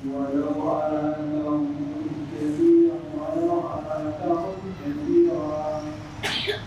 Mɔ yo yogɛnin yo